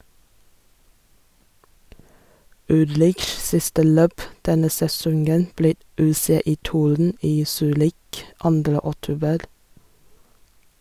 Ullrichs siste løp denne sesongen blir UCI-touren i Zürich 2. oktober.